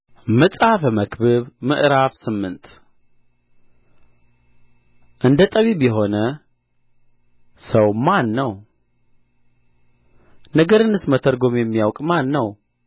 መጽሐፈ መክብብ ምዕራፍ ስምንት እንደ ጠቢብ የሆነ ሰው ማን ነው ነገርንስ መተርጐም የሚያውቅ ማን ነው